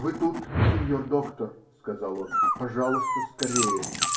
-- Вы тут, синьор доктор, -- сказал он, -- пожалуйста, скорее.